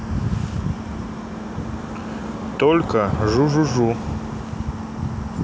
только жужужу